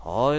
ho oy